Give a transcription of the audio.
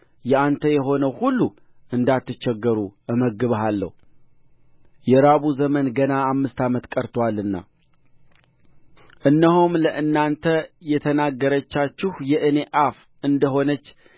የአንተ የሆነው ሁሉ እንዳትቸገሩ እመግብሃለሁ የራቡ ዘመን ገና አምስት ዓመት ቀርቶአልና እነሆም ለእናንተ የተናገረቻችሁ የእኔ አፍ እንደ ሆነች